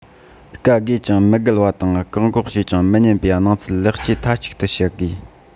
བཀའ བསྒོས ཀྱང མི སྒུལ བ དང བཀག འགོག བྱས ཀྱང མི ཉན པའི སྣང ཚུལ ལེགས བཅོས མཐའ གཅིག ཏུ བྱ དགོས